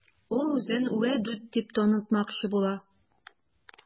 Ул үзен Вәдүт дип танытмакчы була.